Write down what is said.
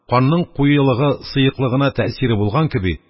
Канның куелыгы-сыеклыгына тәэсире булган кеби,